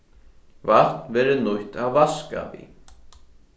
vatn verður nýtt at vaska við